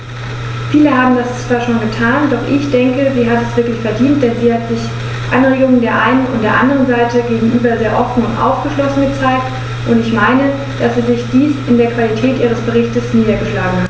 Viele haben das zwar schon getan, doch ich denke, sie hat es wirklich verdient, denn sie hat sich Anregungen der einen und anderen Seite gegenüber sehr offen und aufgeschlossen gezeigt, und ich meine, dass sich dies in der Qualität ihres Berichts niedergeschlagen hat.